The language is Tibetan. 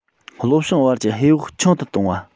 ལྷོ བྱང བར གྱི ཧེ བག ཆུང དུ གཏོང བ